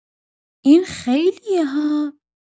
این خیلیه ها!